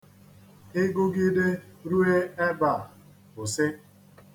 Ị gụgide rue ebe a, kwụsị.